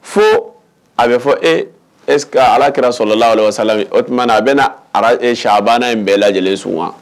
Foo a bɛ fɔ e est ce que alakira sɔlalahu alewasalami o tumana a bɛna ara e chahabana in bɛɛ lajɛlen sun wa